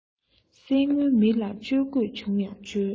གསེར དངུལ མི ལ བཅོལ དགོས བྱུང ཡང ཆོལ